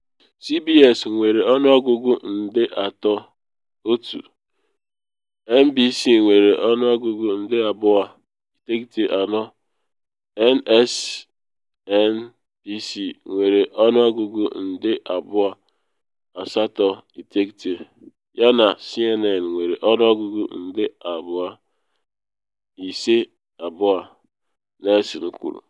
CBS nwere ọnụọgụ nde 3.1, NBC nwere ọnụọgụ nde 2.94, MSNBC nwere ọnụọgụ nde 2.89 yana CNN nwere ọnụọgụ nde 2.52, Nielsen kwuru.